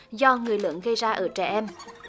do người lởn gây ra ở trẻ em